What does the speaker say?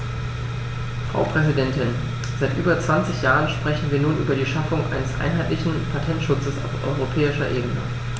Frau Präsidentin, seit über 20 Jahren sprechen wir nun über die Schaffung eines einheitlichen Patentschutzes auf europäischer Ebene.